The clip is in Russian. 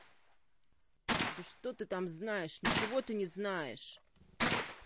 да что ты там знаешь ничего ты не знаешь